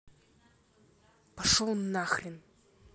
пошел нахрен